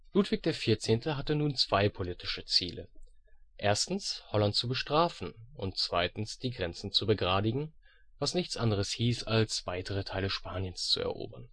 Ludwig XIV. hatte nun zwei politische Ziele: erstens Holland zu bestrafen und zweitens die Grenzen zu begradigen, was nichts anderes hieß, als weitere Teile Spaniens zu erobern